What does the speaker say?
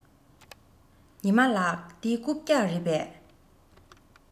ཉི མ ལགས འདི རྐུབ བཀྱག རེད པས